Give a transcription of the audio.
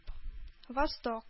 Восток